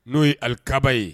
N'o ye ali kababa ye